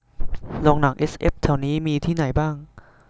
โรงหนังเอสเอฟแถวนี้มีที่ไหนบ้าง